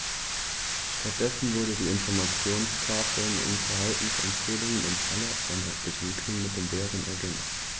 Stattdessen wurden die Informationstafeln um Verhaltensempfehlungen im Falle einer Begegnung mit dem Bären ergänzt.